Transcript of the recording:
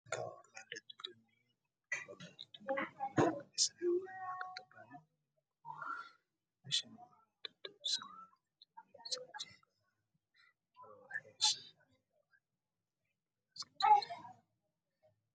Meesha maxaa iiga muuqda guryo aada u waaweyn oo duqoobay iyo jiingado banaanka yaalaan iyo guryo dhismo ku socdaan